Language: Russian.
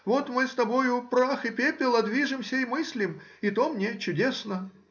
вот мы с тобою прах и пепел, а движемся и мыслим, и то мне чудесно